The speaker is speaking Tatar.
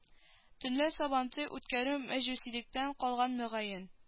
Төнлә сабантуй үткәрү мәҗүсилектән калган мөгаен